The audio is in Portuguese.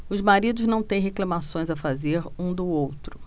os maridos não têm reclamações a fazer um do outro